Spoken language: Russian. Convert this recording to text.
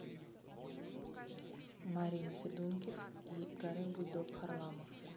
марина федункив и гарик бульдог харламов